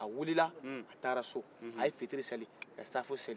a wilila a taara so a ye fitiri seli ka saafo seli